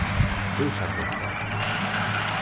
húsabrekka